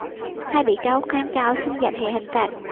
hai bị cáo kháng cáo xin giảm nhẹ hình phạt